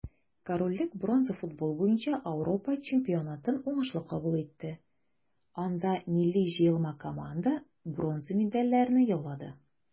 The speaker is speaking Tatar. Корольлек бронза футбол буенча Ауропа чемпионатын уңышлы кабул итте, анда милли җыелма команда бронза медальләрне яулады.